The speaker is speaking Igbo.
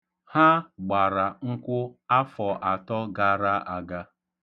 Ha gbara nkwu afọ atọ gara aga.